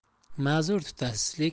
ma'zur tutasiz lekin